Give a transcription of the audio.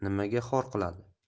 nimaga xor qiladi